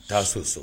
Taa so sɔrɔ